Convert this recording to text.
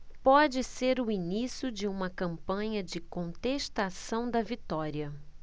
pode ser o início de uma campanha de contestação da vitória